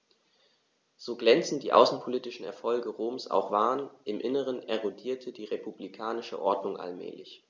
So glänzend die außenpolitischen Erfolge Roms auch waren: Im Inneren erodierte die republikanische Ordnung allmählich.